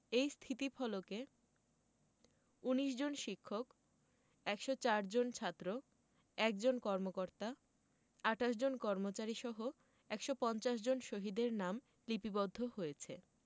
এই স্থিতিফলকে ১৯ জন শিক্ষক ১০৪ জন ছাত্র ১ জন কর্মকর্তা ২৮ জন কর্মচারীসহ ১৫০ জন শহীদের নাম লিপিবদ্ধ হয়েছে